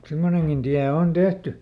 semmoinenkin tie on on tehty